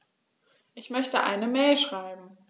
Ich möchte eine Mail schreiben.